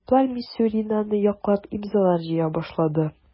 Табиблар Мисюринаны яклап имзалар җыя башлады.